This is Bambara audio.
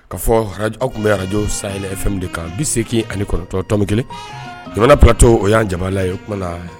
K kaa fɔ tun bɛ arajo say fɛn de kan bi segin ani kɔrɔtɔ to min kelen jamana paratɔ o y'a jala ye kumaumana na